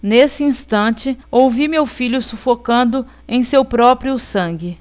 nesse instante ouvi meu filho sufocando em seu próprio sangue